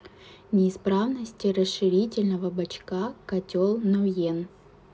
неисправности расширительного бочка котел новьен